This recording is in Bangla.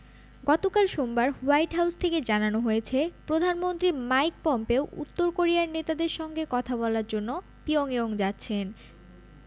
গতকাল সোমবার হোয়াইট হাউস থেকে জানানো হয়েছে পররাষ্ট্রমন্ত্রী মাইক পম্পেও উত্তর কোরিয়ার নেতাদের সঙ্গে কথা বলার জন্য পিয়ংইয়ং যাচ্ছেন